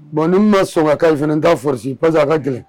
Bon ne ma sɔn ka ka fana'a forosi pa que a ka gɛlɛn